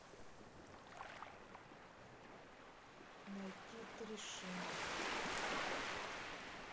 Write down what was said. найти триши